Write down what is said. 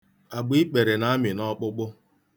Agbaikpere na-amị n'ọkpụkpụ.